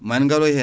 ma en garoy hen